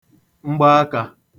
mgbaakā